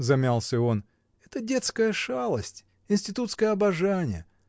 — замялся он, — это детская шалость, институтское обожание.